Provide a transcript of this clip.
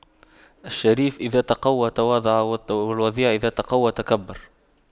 الشريف إذا تَقَوَّى تواضع والوضيع إذا تَقَوَّى تكبر